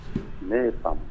Ne ye fa